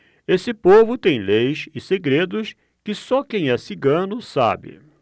esse povo tem leis e segredos que só quem é cigano sabe